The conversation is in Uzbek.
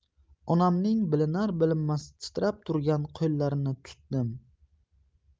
onamning bilinar bilinmas titrab turgan qo'llarini tutdim